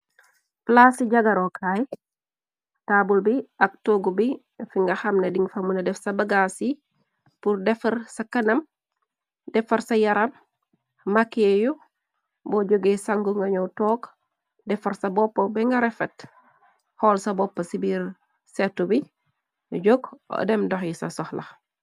Plaas ci jagarookaay taabul bi ak toggu bi fi nga xam nex din fa mona def sa bagass yi pur defar sa kanam defar sa yaram makeeyu bo jógee sangu ngañu toog defar sa bopp binga refet xool sa bopp sibiir setu bi jog dem doxi ca soxlax.